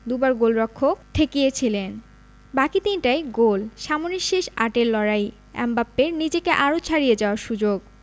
দুবার গোলরক্ষক ঠেকিয়েছিলেন বাকি তিনটাই গোল সামনে শেষ আটের লড়াই এমবাপ্পের নিজেকে আরও ছাড়িয়ে যাওয়ার সুযোগ